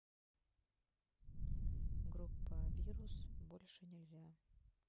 группа вирус больше нельзя